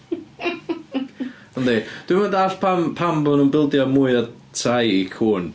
Yndi dwi'm yn dallt pam pam bod nhw'm yn bildio mwy o tai i cŵn.